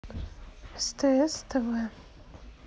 стс тв